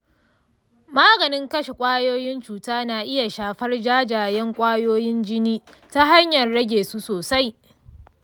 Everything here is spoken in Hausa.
maganin kashe kwayoyin cuta na iya shafar jajayen kwayoyin jini ta hanyar rage su sosai.